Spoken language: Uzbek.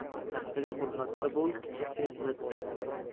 kattaga hurmatda bo'l kichikka izzatda